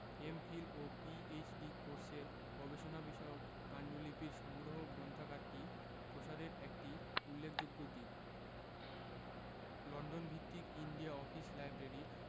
MPhil ও PhD কোর্সের গবেষণা বিষয়ক পান্ডুলিপির সংগ্রহ গ্রন্থাগারটি প্রসারের একটি উল্লেখযোগ্য দিক লন্ডন ভিত্তিক ইন্ডিয়া অফিস লাইব্রেরি